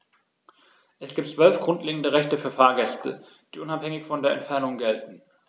Es gibt 12 grundlegende Rechte für Fahrgäste, die unabhängig von der Entfernung gelten.